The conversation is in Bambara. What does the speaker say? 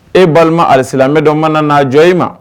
E balima alisalamɛ dɔ mana n'a jɔ e ma